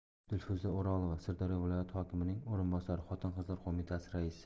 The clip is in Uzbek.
dilfuza o'rolova sirdaryo viloyati hokimining o'rinbosari xotin qizlar qo'mitasi raisi